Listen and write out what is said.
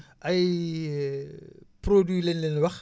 ay produits lañ leen wax